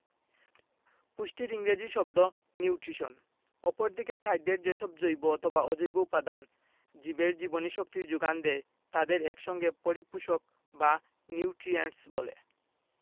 পুষ্টির ইংরেজি শব্দ নিউট্রিশন অপরদিকে খাদ্যের যেসব জৈব অথবা অজৈব উপাদান জীবের জীবনীশক্তির যোগান দেয় তাদের এক সঙ্গে পরিপোষক বা নিউট্রিয়েন্টস বলে